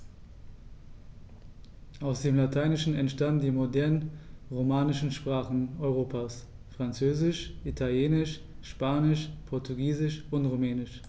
Aus dem Lateinischen entstanden die modernen „romanischen“ Sprachen Europas: Französisch, Italienisch, Spanisch, Portugiesisch und Rumänisch.